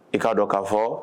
I kaa don kaa fɔ